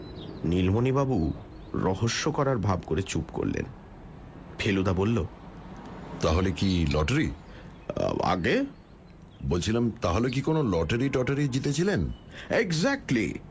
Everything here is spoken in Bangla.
নীলমণিবাবু রহস্য করার ভাব করে চুপ করলেন ফেলুদা বলল তা হলে কি লটারি আজ্ঞে বলছিলাম তা হলে কি কখনও লটারি টটারি জিতেছিলেন এগজাক্টলি